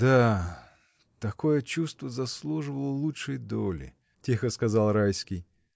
— Да, такое чувство заслуживало лучшей доли. — тихо сказал Райский.